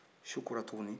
su kora tuguni